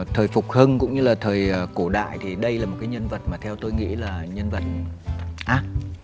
thời phục hưng cũng như là thời cổ đại thì đây là một nhân vật mà theo tôi nghĩ là nhân vật ác